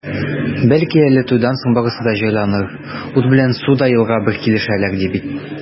Бәлки әле туйдан соң барысы да җайланыр, ут белән су да елга бер килешәләр, ди бит.